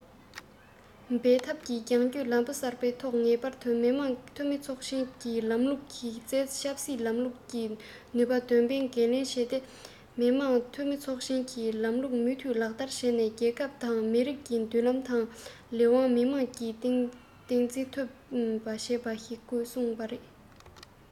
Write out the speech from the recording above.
འབད འཐབ ཀྱི རྒྱང སྐྱོད ལམ བུ གསར པའི ཐོག ངེས པར དུ མི དམངས འཐུས མི ཚོགས ཆེན གྱི ལམ ལུགས ཀྱི གཞི རྩའི ཆབ སྲིད ལམ ལུགས ཀྱི ནུས པ འདོན སྤེལ གང ལེགས བྱས ཏེ མི དམངས འཐུས མི ཚོགས ཆེན གྱི ལམ ལུགས མུ མཐུད ལག བསྟར བྱས ནས རྒྱལ ཁབ དང མི རིགས ཀྱི མདུན ལམ དང ལས དབང མི དམངས ཀྱིས སྟངས འཛིན ཐུབ པ བྱེད དགོས ཞེས གསུངས པ རེད